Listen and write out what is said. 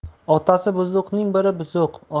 otasi buzuqning biri buzuq